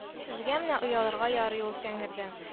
- сезгә менә оялырга ярый ул тәңредән